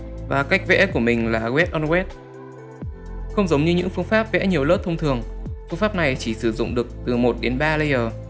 cách vẽ của mình là wet on wet không giống như phương pháp vẽ nhiều lớp thông thường phương pháp này chỉ sử dụng được từ đến layer